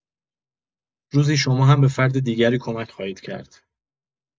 روزی شما هم به فرد دیگری کمک خواهید کرد.